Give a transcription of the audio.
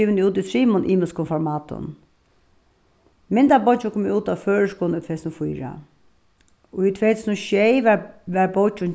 givin út í trimum ymiskum formatum myndabókin kom út á føroyskum í tvey túsund og fýra í tvey túsund og sjey varð varð bókin